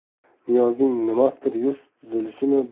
niyozning nimasidir yuz tuzilishimi